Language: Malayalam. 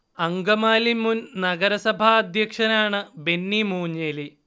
അങ്കമാലി മുൻ നഗരസഭാ അധ്യക്ഷനാണ് ബെന്നി മൂഞ്ഞേലി